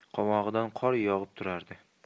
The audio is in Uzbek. qovog'idan qor yog'ib turardi